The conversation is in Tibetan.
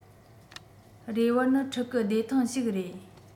རེ བར ནི ཕྲུ གུ བདེ ཐང ཞིག རེད